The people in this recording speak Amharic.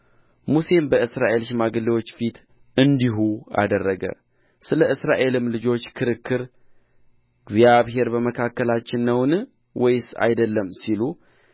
ሙሴም በእስራኤል ሽማግሌዎች ፊት እንዲሁ አደረገ ስለ እስራኤልም ልጆች ክርክር እግዚአብሔር በመካከላችን ነውን ወይስ አይደለም ሲሉ